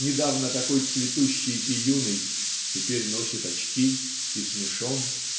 недавно такой цветущий и юный теперь носит очки и смешон